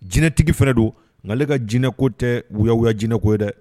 Jinɛtigi fana don nka ne ka jinɛinɛko tɛ wuya jinɛinɛko ye dɛ